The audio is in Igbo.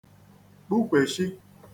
kpukwèshi